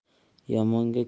yomonga kun ham